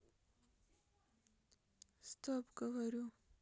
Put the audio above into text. стоп говорю